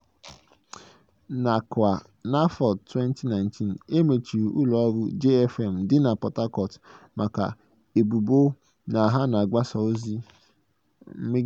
Nakwa n'afọ 2019, e mechiri ụlọ ọrụ Jay FM dị na Port Harcourt maka ebubo na ha na-agbasa ozi megide gọọmentị.